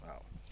waaw